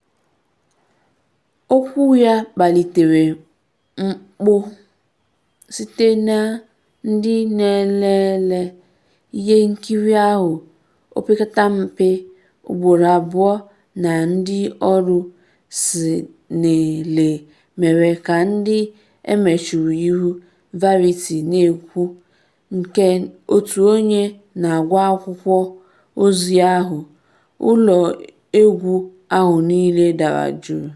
Okwu ya kpalitere mkpu site na ndị n’elele ihe nkiri ahụ opekempe ugboro abụọ na ndị ọrụ SNL mere ka ndị emechuru ihu, Variety na-ekwu, nke otu onye na-agwa akwụkwọ ozi ahụ: “Ụlọ egwu ahụ niile dara juu.”